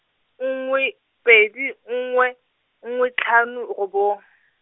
nngwe, pedi nngwe, nngwe tlhano, robong.